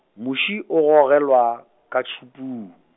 muši o gogelwa, ka tšhupung.